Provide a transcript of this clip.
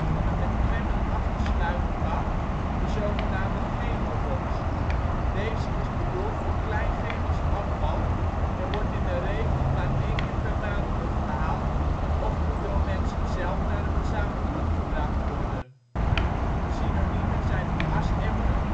van een met klemmen af te sluiten bak (de z.g. chemobox). Deze is bedoeld voor klein chemisch afval en wordt in de regel maar één keer per maand opgehaald of moet door mensen zelf naar een verzamelpunt gebracht worden. Synoniemen zijn: asemmer